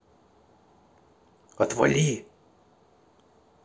отвали